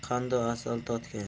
qandu asal totganing